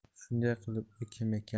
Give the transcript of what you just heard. shunday qilib u kim ekan